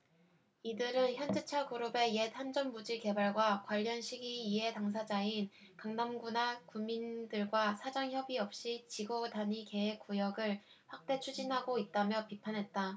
이들은 현대차그룹의 옛 한전부지 개발과 관련 시가 이해당사자인 강남구나 구민들과 사전협의없이 지구단위계획구역을 확대 추진하고 있다며 비판했다